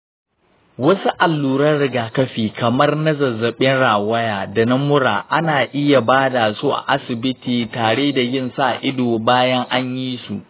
wasu alluran rigakafi kamar na zazzabin rawaya da na mura ana iya ba da su a asibiti tare da yin sa-ido bayan an yi su.